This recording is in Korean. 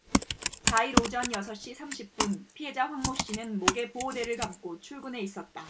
사 일 오전 여섯 시 삼십 분 피해자 황모씨는 목에 보호대를 감고 출근해 있었다